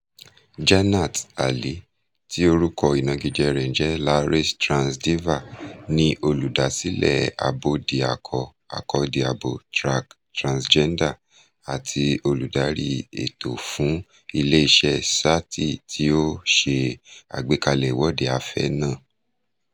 Jannat Ali, tí orúkọ ìnagijẹ rẹ̀ ń jẹ́ Lahore's Trans Diva, ni olùdásílẹ̀ Abódiakọ-akọ́diabo Track Transgender àti Olùdarí Ètò fún Ilé-iṣẹ́ Sathi tí ó ṣe àgbékalẹ̀ Ìwọ́de Afẹ́ náà.